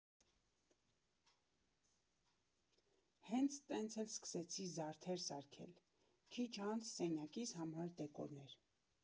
Հենց տենց էլ սկսեցի զարդեր սարքել, քիչ անց՝ սենյակիս համար դեկորներ։